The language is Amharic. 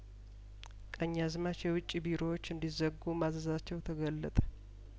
ቀኛዝማች የውጭ ቢሮዎች እንዲ ዘጉ ማዘዛቸው ተገለጠ